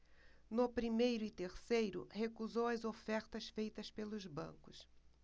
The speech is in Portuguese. no primeiro e terceiro recusou as ofertas feitas pelos bancos